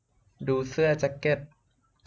ดูเสื้อแจ็คเก็ต